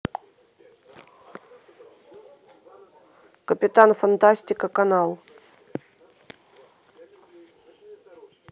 капитан фантастика канал